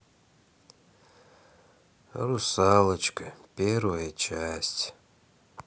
русалочка первая часть